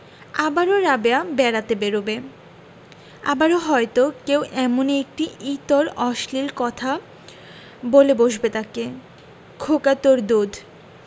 আবারও রাবেয়া বেড়াতে বেরুবে আবারো হয়তো কেউ এমনি একটি ইতর অশ্লীল কথা বলে বসবে তাকে খোকা তোর দুধ